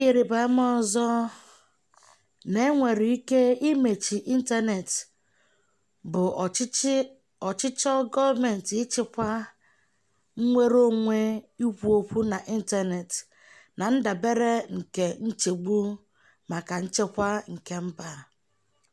Ihe ịrịbaama ọzọ na e nwere ike imechi ịntaneetị bụ ọchịchọ gọọmentị ịchịkwa nnwere onwe ikwu okwu n'ịntaneetị na ndabere nke nchegbu maka nchekwa kemba.